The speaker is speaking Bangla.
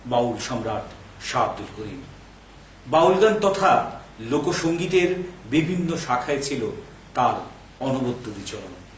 বাউল সম্রাট শাহ আব্দুল করিম বাউল গান তথা লোকসঙ্গীতের বিভিন্ন শাখায় ছিল তার অনবদ্য বিচরণ